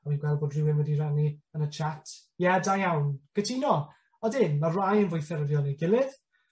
Rwy'n gweld bod rywun wedi rannu yn y chat. Ie, da iawn, cytuno, odyn, ma' rai yn fwy ffurfiol na'i gilydd.